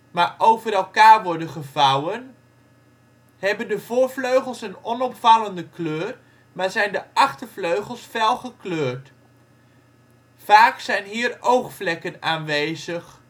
maar over elkaar worden gevouwen, hebben de voorvleugels een onopvallende kleur maar zijn de achtervleugels fel gekleurd. Vaak zijn hier oogvlekken aanwezig